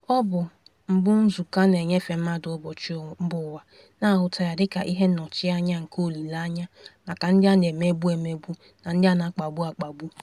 Ọ bụ mbụ nzukọ a na-enyefe mmadụ ụbọchị mbaụwa, na-ahụta ya dịka ihe nnọchianya nke olileanya maka ndị a na-emegbu emegbu na ndị a na-akpagbu akpagbu.